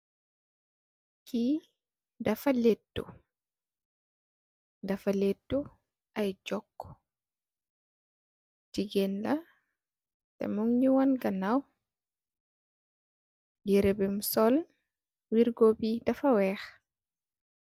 Ki dafa laaytu dafa laaytu ay joku jigeen la teh mung nyu wonn ganaw yereh bum sol wergo bi dafa weex.